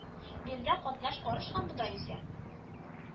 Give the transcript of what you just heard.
Биредә катнаш арыш һәм бодай үсә